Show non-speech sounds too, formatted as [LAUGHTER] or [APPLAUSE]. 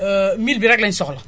[HESITATION] mil bi rekk la ñu soxla